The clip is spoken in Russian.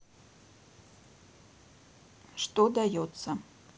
что дается